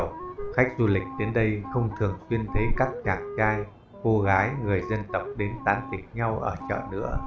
khách du lịch đến đây không thường xuyên thấy các chàng trai cô gái người dân tộc đến tán tỉnh nhau ở chợ nữa